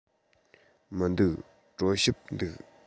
མི འདུག གྲོ ཞིབ འདུག